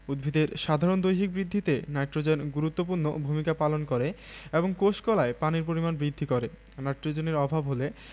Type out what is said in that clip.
উদ্ভিদের সাধারণ দৈহিক বৃদ্ধিতে নাইট্রোজেন গুরুত্বপূর্ণ ভূমিকা পালন করে এবং কোষ কলায় পানির পরিমাণ বৃদ্ধি করে নাইট্রোজেনের অভাব হলে